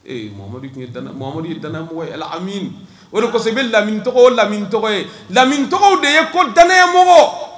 Ee mama tun yeanamadu ye danmɔgɔ ye o de ko bɛ lami tɔgɔ ye lami tɔgɔ ye lami tɔgɔ de ye ko dan mɔgɔ